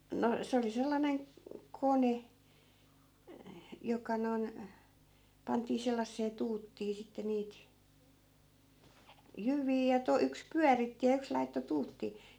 no se oli sellainen kone joka noin pantiin sellaiseen tuuttiin sitten niitä jyviä ja - yksi pyöritti ja yksi laittoi tuuttiin